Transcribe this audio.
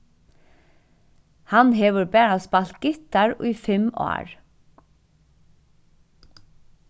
hann hevur bara spælt gittar í fimm ár